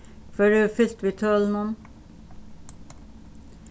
hvør hevur fylgt við tølunum